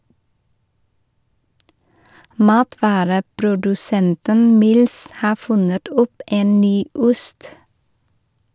Matvareprodusenten Mills har funnet opp en ny ost.